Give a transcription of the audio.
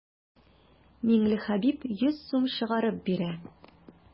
Миңлехәбиб йөз сум чыгарып бирә.